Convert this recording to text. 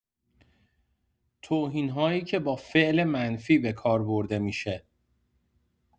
توهین‌هایی که با فعل منفی به کار برده می‌شه؛